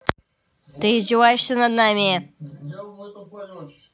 ты издеваешься над нами